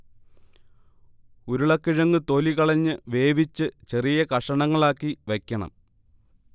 ഉരുളക്കിഴങ്ങു തൊലി കളഞ്ഞു വേവിച്ചു ചെറിയ കഷണങ്ങളാക്കി വയ്ക്കണം